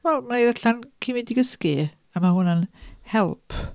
Wel, mi wna i ddarllen cyn mynd i gysgu. A ma' hwnna'n help.